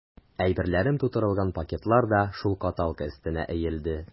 Әйберләрем тутырылган пакетлар да шул каталка өстенә өелде.